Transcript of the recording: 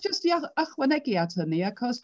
Jyst i y- ychwanegu at hynny, achos...